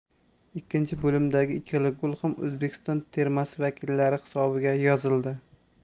ikkinchi bo'limdagi ikkala gol ham o'zbekiston termasi vakillari hisobiga yozildi